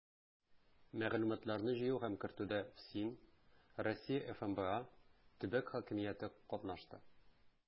Мәгълүматларны җыю һәм кертүдә ФСИН, Россия ФМБА, төбәк хакимияте катнашты.